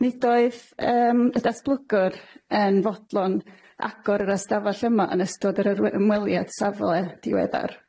Nid oedd yym y datblygwr yn fodlon agor yr ystafell yma yn ystod yr yr ym- ymweliad safle diweddar.